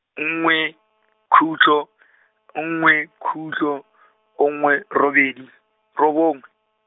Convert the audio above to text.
nngwe, khutlo , nngwe, khutlo , nngwe, robedi, robongwe.